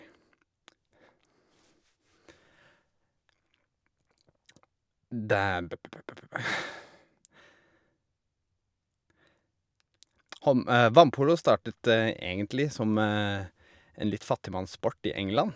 dæ bøpbøpbøpbøpø hånd Vannpolo startet egentlig som en litt fattigmannssport i England.